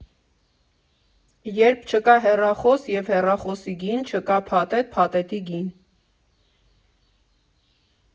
Երբ չկա հեռախոս և հեռախոսի գին, չկա փաթեթ, փաթեթի գին։